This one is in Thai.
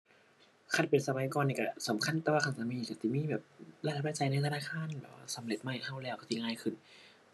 คันเป็นสมัยก่อนนี้ก็สำคัญ แต่ว่าคันสมัยนี้ก็สิมีแบบรายรับรายจ่ายในธนาคาร แบบว่าสำเร็จมาให้ก็แล้วก็สิง่ายขึ้น